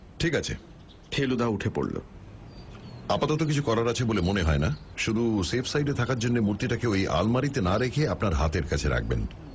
ঠিক আছে ফেলুদা উঠে পড়ল আপাতত কিছু করার আছে বলে মনে হয় না শুধু সেফ সাইডে থাকার জন্যে মুর্তিটাকে ওই আলমারিতে না রেখে আপনার হাতের কাছে রাখবেন